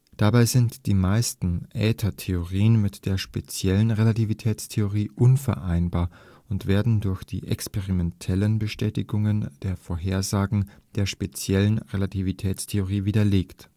Dabei sind die meisten Äthertheorien mit der speziellen Relativitätstheorie unvereinbar und werden durch die experimentellen Bestätigungen der Vorhersagen der speziellen Relativitätstheorie widerlegt